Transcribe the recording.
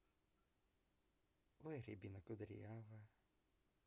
ой рябина кудрявая